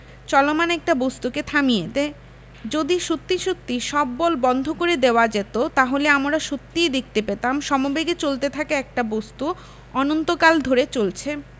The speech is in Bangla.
চলমান একটা বস্তুকে থামিয়ে দেয় যদি সত্যি সত্যি সব বল বন্ধ করে দেওয়া যেত তাহলে আমরা সত্যিই দেখতে পেতাম সমবেগে চলতে থাকা একটা বস্তু অনন্তকাল ধরে চলছে